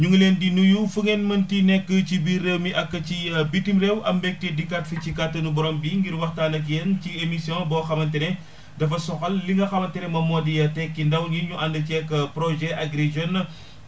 ñu ngi leen di nuyu fu ngeen mënti nekk ci biir réew mi ak ci bitim réew am bégte dikkaat fii ci kattanu borom bi ngir waxtaan ak yéen ci émission :fraboo xamante ne dafa soxal li nga xamante ne moom moo di Tekki ndaw ñi ñu ànd ceeg projet Agri Jeunes